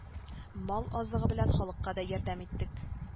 Мал азыгы белән халыкка да ярдәм иттек